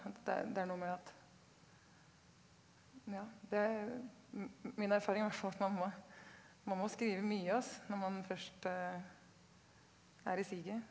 at det det er noe med at ja det er min erfaring er i alle fall at man må man må skrive mye altså når man først er i siget.